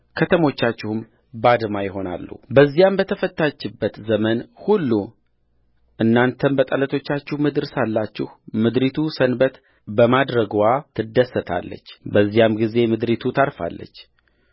ከተሞቻችሁም ባድማ ይሆናሉበዚያም በተፈታችበት ዘመን ሁሉ እናንተም በጠላቶቻችሁ ምድር ሳላችሁ ምድሪቱ ሰንበት በማድረግዋ ትደሰታለች በዚያም ጊዜ ምድሪቱ ታርፋለች